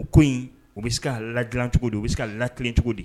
U ko in u bɛ se ka la dilan cogo de u bɛ se ka la kelen cogo di